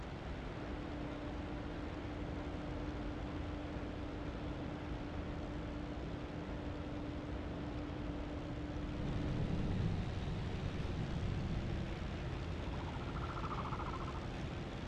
Waa xafiis islaam ayaa fadhida oo wadato jaale ah computer caddaan ayaa horyaala iyo biyo caafim ah